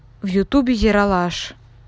в ютубе ералаш